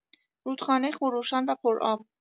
رودخانه خروشان و پرآب